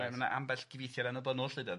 ma' 'na ambell gyfieithiad annibynnol 'lly 'de.